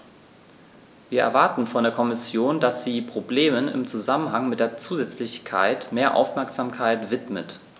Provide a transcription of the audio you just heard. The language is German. Wir erwarten von der Kommission, dass sie Problemen im Zusammenhang mit der Zusätzlichkeit mehr Aufmerksamkeit widmet.